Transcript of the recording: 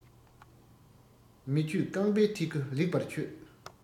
མི ཆོས རྐང བའི ཐི གུ ལེགས པར ཆོད